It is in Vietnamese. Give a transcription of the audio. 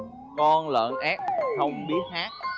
con lợn éc không biết hát